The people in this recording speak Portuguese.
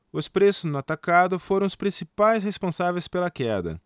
os preços no atacado foram os principais responsáveis pela queda